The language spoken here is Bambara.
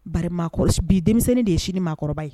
Bari maakɔrɔ bi denmisɛnnin de ye sini maakɔrɔba ye